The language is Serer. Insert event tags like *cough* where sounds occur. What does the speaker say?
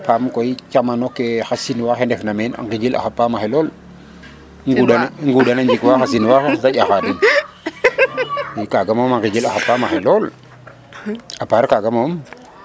Kam koy camano ko xa chinois xe ndefna meen a nqijil'aa xa paam axe lool *laughs* a nguɗana jikwa xa Chinois xe da ƴaxa den *laughs* kaaga moom a ngijil'a xa paam axe lool a part kaaga mom.